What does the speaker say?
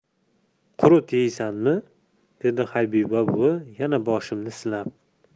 qurut yeysanmi dedi habiba buvi yana boshimni silab